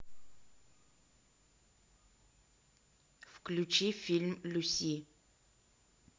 включи фильм люси